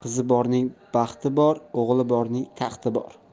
qizi borning baxti bor o'g'li borning taxti bor